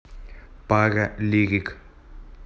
пара лирик